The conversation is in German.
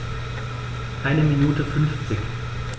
Eine Minute 50